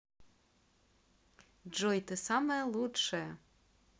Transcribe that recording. джой ты самая лучшая